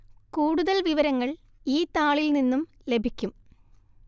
കൂടുതല്‍ വിവരങ്ങള്‍ ഈ താളില്‍ നിന്നും ലഭിക്കും